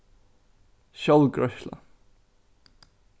sjálvgreiðsla